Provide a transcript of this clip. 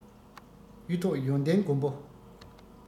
གཡུ ཐོག ཡོན ཏན མགོན པོ